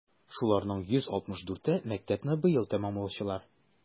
Шуларның 164е - мәктәпне быел тәмамлаучылар.